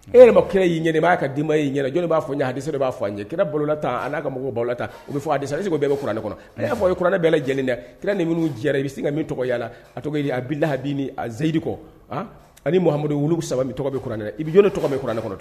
E yɛrɛ ma kira'i ɲ b'a ka d' ma y'i jɔn b'a fɔ ɲɛ hase b'a fɔ a ɲɛ kira balola tan a ka mɔgɔwla u bɛ fɔ a dɛsɛsa ase bɛɛko kuranɛ kɔnɔ a y'a fɔ ko kuranɛ bɛɛla lajɛlen dɛ kira ni minnu jɛra i bɛ se ka min tɔgɔya la a tɔgɔ aha a zyidu kɔ anihamadu wulu saba tɔgɔ kuranɛ i bɛ jɔn tɔgɔ bɛ kuranɛ kɔnɔ